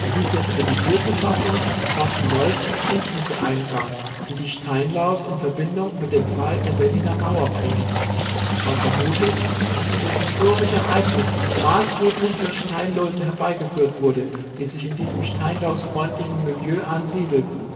diese revidierte Fassung fanden neueste Erkenntnisse Eingang, die die Steinlaus in Verbindung mit dem Fall der Berliner Mauer bringen. Man vermutet, dass dieses historische Ereignis maßgeblich durch Steinläuse herbeigeführt wurde, die sich in diesem steinlausfreundlichen Milieu ansiedelten